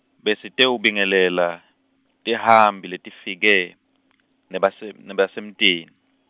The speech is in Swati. besitewubingelela, tihambi, letifike, nabese- nebasemtini.